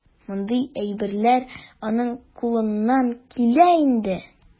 Мондый әйберләр аның кулыннан килә иде.